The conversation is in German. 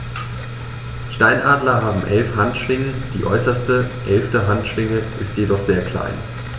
Steinadler haben 11 Handschwingen, die äußerste (11.) Handschwinge ist jedoch sehr klein.